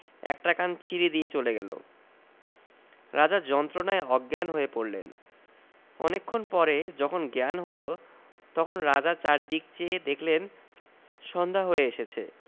একটা কান ছিড়ে দিয়ে চলে গেল রাজা যন্ত্রনায় অজ্ঞান হয়ে পড়লেন অনেকক্ষণ পরে যখন জ্ঞান হল তখন রাজা চারদিক চেয়ে দেখলেন সন্ধ্যা হয়ে এসেছে